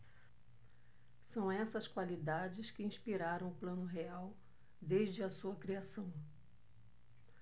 são essas qualidades que inspiraram o plano real desde a sua criação